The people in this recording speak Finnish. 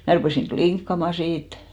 minä rupesin klinkkaamaan siitä